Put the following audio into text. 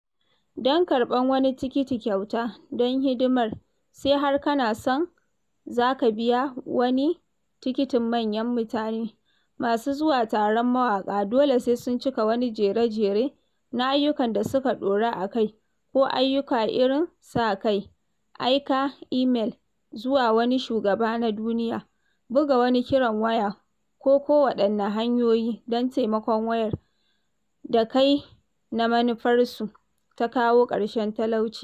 Don karɓan wani tikiti kyauta don hidimar (sai har kana son za ka biya wani tikitin manyan mutane), masu zuwa taron mawaƙa dole sai sun cika wani jere-jere na ayyukan da suka ɗoru a kai, ko "ayyuka" irin sa-kai, aika imel zuwa wani shugaba na duniya, buga wani kiran waya ko kowaɗanne hanyoyi don taimakon wayar da kai na manufarsu ta kawo ƙarshen talauci.